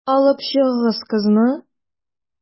Алып чыгыгыз кызны.